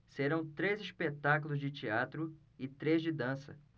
serão três espetáculos de teatro e três de dança